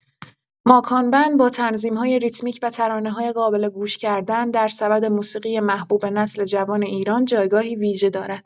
ماکان بند با تنظیم‌های ریتمیک و ترانه‌های قابل گوش کردن، در سبد موسیقی محبوب نسل جوان ایران جایگاهی ویژه دارد.